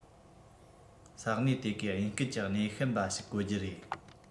ས གནས དེ གའི དབྱིན སྐད ཀྱི སྣེ ཤན པ ཞིག བཀོལ རྒྱུ རེད